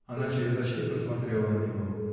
Она через очки посмотрела на него.